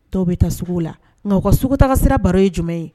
Dɔw bɛ taa sugu la nka u ka sugutaga sira baro ye jumɛn ye.